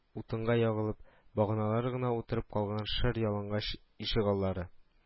Утынга ягылып, баганалары гына утырып калган шыр ялангач ишегаллары